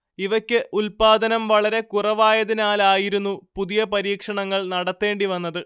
ഇവക്ക് ഉത്പാദനം വളരെക്കുറവായതിനാലായിരുന്നു പുതിയ പരീക്ഷണങ്ങൾ നടത്തേണ്ടി വന്നത്